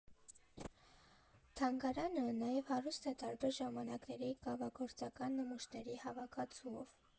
Թանգարանը նաև հարուստ է տարբեր ժամանակների կավագործական նմուշների հավաքածուով։